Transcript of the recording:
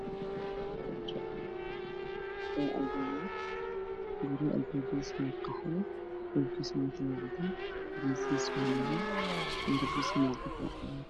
Oo guri weyn wuxuu leeyahay albaab jaallah guriga kalarkiisu waa qaxwi waxay ku dhex yaalo geed weyn oo cagaaran